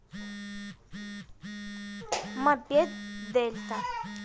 мопед дельта